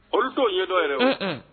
Olu'o ɲɛ dɔ yɛrɛ